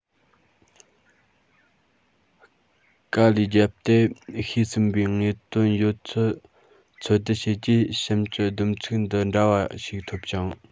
དཀའ ལས རྒྱབ ཏེ ཤེས ཟིན པའི དངོས དོན ཡོད ཚད འཚོལ སྡུད བྱས རྗེས གཤམ གྱི བསྡོམས ཚིག འདི འདྲ བ ཞིག ཐོབ ཅིང